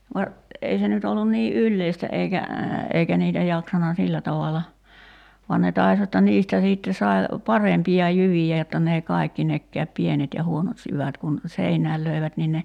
vaan ei se nyt ollut niin yleistä eikä eikä niitä jaksanut sillä tavalla vaan ne taisi jotta niistä sitten sai parempia jyviä jotta ne ei kaikki nekään pienet ja huonot jyvät kun seinään löivät niin ne